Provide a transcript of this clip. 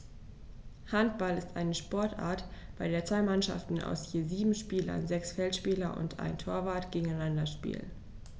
Handball ist eine Sportart, bei der zwei Mannschaften aus je sieben Spielern (sechs Feldspieler und ein Torwart) gegeneinander spielen.